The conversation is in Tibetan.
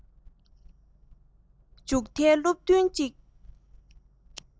མཇུག མཐའི སློབ ཐུན གཅིག